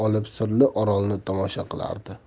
olib sirli orolni tomosha qilardi